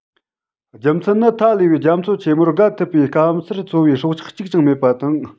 རྒྱུ མཚན ནི མཐའ ཀླས པའི རྒྱ མཚོ ཆེན པོར བརྒལ ཐུབ པའི སྐམ སར འཚོ བའི སྲོག ཆགས གཅིག ཀྱང མེད པ དང